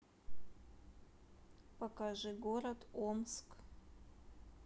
покажи город омск